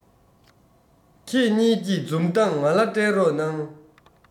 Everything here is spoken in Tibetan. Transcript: ཁྱེད གཉིས ཀྱེད འཛུམ འདངས ང ལ སྤྲད རོགས གནང